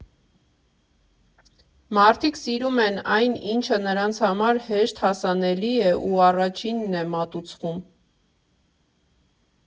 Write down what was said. Մարդիկ սիրում են այն, ինչը նրանց համար հեշտ հասանելի է ու առաջինն է մատուցվում։